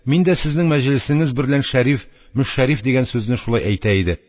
Мин дә сезнең мәҗлесеңез берлән шәриф («мөшәрриф» дигән сүзне шулай әйтә иде)